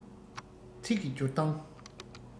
ཚིག གི སྦྱོར སྟངས